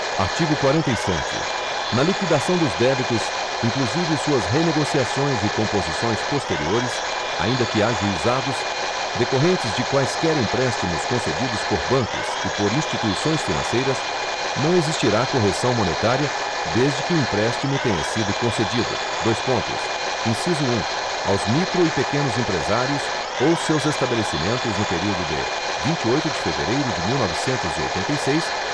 artigo quarenta e sete na liquidação dos débitos inclusive suas renegociações e composições posteriores ainda que ajuizados decorrentes de quaisquer empréstimos concedidos por bancos e por instituições financeiras não existirá correção monetária desde que o empréstimo tenha sido concedido dois pontos inciso um aos micro e pequenos empresários ou seus estabelecimentos no período de vinte e oito de fevereiro de mil novecentos e oitenta e seis